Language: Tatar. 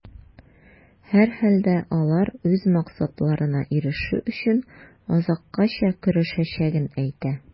Һәрхәлдә, алар үз максатларына ирешү өчен, азаккача көрәшәчәген әйтә.